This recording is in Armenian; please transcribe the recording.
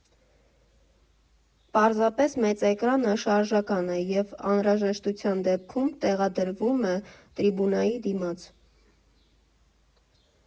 Պարզապես մեծ էկրանը շարժական է, և անհրաժեշտության դեպքում տեղադրվում է տրիբունայի դիմաց։